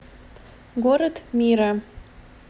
город мира